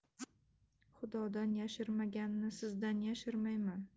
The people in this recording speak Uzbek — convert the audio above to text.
xudodan yashirmaganni sizdan yashirmayman